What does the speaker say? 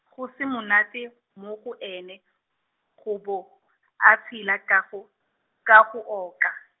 go se monate, mo go ene, go bo, a tshela ka go, ka go oka.